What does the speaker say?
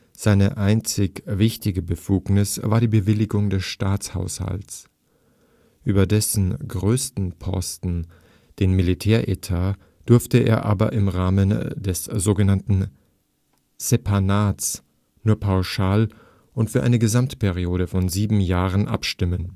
Seine einzig wichtige Befugnis war die Bewilligung des Staatshaushalts. Über dessen größten Posten, den Militäretat, durfte er aber im Rahmen des sogenannten Septennats nur pauschal und für eine Gesamtperiode von sieben Jahren abstimmen